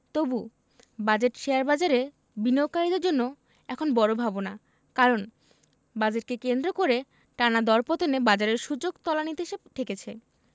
তবু বাজেট শেয়ারবাজারে বিনিয়োগকারীদের জন্য এখন বড় ভাবনা কারণ বাজেটকে কেন্দ্র করে টানা দরপতনে বাজারের সূচক তলানিতে এসে ঠেকেছে